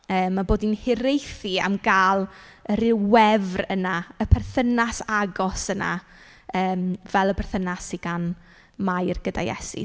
Yym a bod ni'n hiraethu am gael yr u- wefr yna y perthynas agos yna yym fel y perthynas sy gan Mair gyda Iesu.